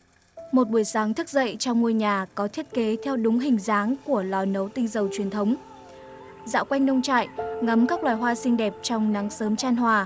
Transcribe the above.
một buổi sáng thức dậy trong ngôi nhà có thiết kế theo đúng hình dáng của lò nấu tinh dầu truyền thống dạo quanh nông trại ngắm các loài hoa xinh đẹp trong nắng sớm chan hòa